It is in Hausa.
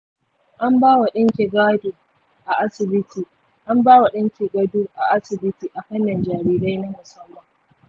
an bawa danki gado a asibiti a fannin jarirai na musamman?